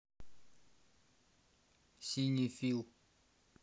синий фил